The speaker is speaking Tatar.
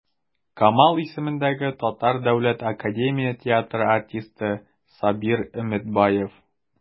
Камал исемендәге Татар дәүләт академия театры артисты Сабир Өметбаев.